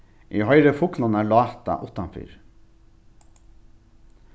eg hoyri fuglarnar láta uttanfyri